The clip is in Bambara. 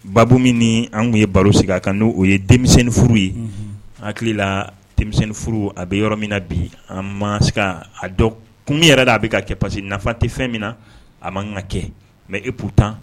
Baabu min an tun ye baro sigi a kan n'o o ye denmisɛnnin furu ye hakili la denmisɛnnin furu a bɛ yɔrɔ min na bi an ma se a dɔ kun yɛrɛ da a bɛ ka kɛ parce nafa tɛ fɛn min na a man ka kɛ mɛ epu tan